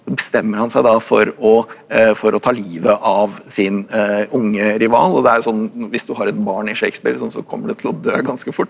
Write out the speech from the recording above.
bestemmer han seg da for å for å ta livet av sin unge rival og det er sånn hvis du har et barn i Shakespeare sånn så kommer det til å dø ganske fort.